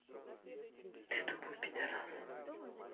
ты тупой пидарас